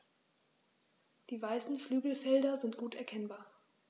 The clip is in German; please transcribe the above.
Die weißen Flügelfelder sind gut erkennbar.